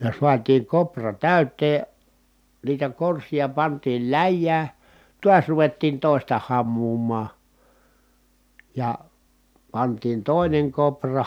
ja saatiin koura täyteen niitä korsia pantiin läjään taas ruvettiin toista hamuamaan ja pantiin toinen koura